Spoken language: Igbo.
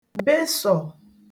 besọ̀